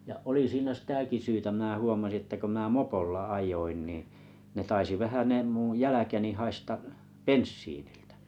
ja oli siinä sitäkin syytä minä huomasin että kun minä mopolla ajoin niin ne taisi vähän ne minun jälkeni haista bensiiniltä